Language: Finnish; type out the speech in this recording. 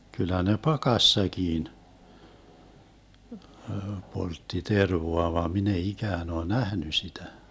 kyllä ne pakassakin poltti tervaa vaan minä ei ikään ole nähnyt sitä